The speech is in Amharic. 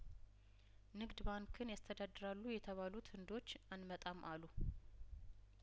ንግድ ባንክን ያስተዳድራሉ የተባሉት ህንዶች አንመጣም አሉ